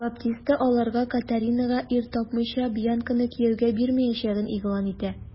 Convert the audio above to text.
Баптиста аларга, Катаринага ир тапмыйча, Бьянканы кияүгә бирмәячәген игълан итә.